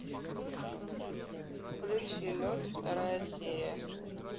включи лед вторая серия